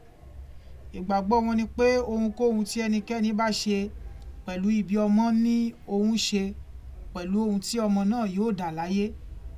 Ìgbàgbọ́ wọn ni pé ohunkóhun tí ẹnikẹ́ni bá ṣe pẹ̀lú ibi ọmọ ní ohun ṣe pẹ̀lú ohun tí ọmọ náà yóò dà láyé.